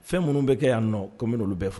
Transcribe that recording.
Fɛn minnu bɛ kɛ yan o nnbɛ n'olu bɛ fɔ.